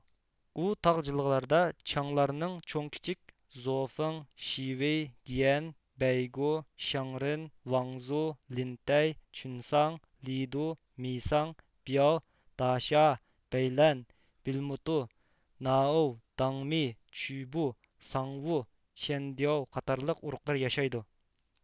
ئۇ تاغ جىلغىلاردا چياڭلارنىڭ چوڭ كىچىك زوفېڭ شىۋېي گېيەن بەيگو شياڭرېن ۋاڭزۇ لىنتەي چۈنساڭ لىدۇ مىساڭ بىياۋ داشيا بەيلەن بىلىموتۇ نائوۋ داڭمى چۈبۇ ساڭۋۇ چيەندىياۋ قاتارلىق ئۇرۇقلىرى ياشايدۇ